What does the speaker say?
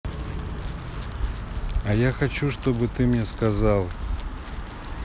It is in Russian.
а я хочу чтобы ты мне сказал